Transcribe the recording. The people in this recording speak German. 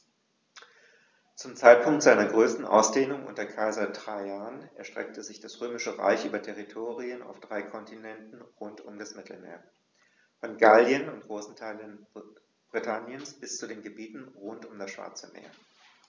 Zum Zeitpunkt seiner größten Ausdehnung unter Kaiser Trajan erstreckte sich das Römische Reich über Territorien auf drei Kontinenten rund um das Mittelmeer: Von Gallien und großen Teilen Britanniens bis zu den Gebieten rund um das Schwarze Meer.